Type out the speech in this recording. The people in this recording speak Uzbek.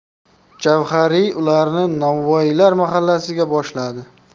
javhariy ularni novvoylar mahallasiga boshladi